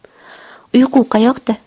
uyqu qayoqda